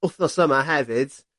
wthnos yma hefyd